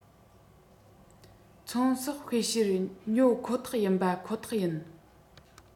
ཚོང ཟོག སྤུས ཞེར ཉོ ཁོ ཐག ཡིན པ ཁོ ཐག ཡིན